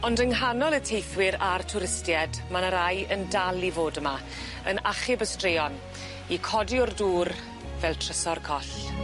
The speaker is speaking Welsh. Ond yng nghanol y teithwyr a'r twristied ma' 'ny rai yn dal i fod yma yn achub y straeon 'u codi o'r dŵr fel trysor coll.